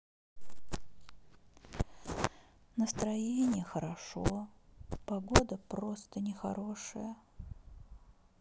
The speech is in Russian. настроение хорошо погода просто нехорошая